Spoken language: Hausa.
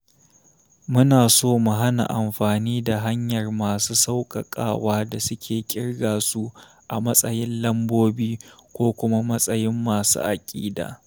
Muna so mu hana amfani da hanyar masu sauƙaƙawa da suke ƙirga su a matsayin lambobi ko kuma matsayin masu aƙida.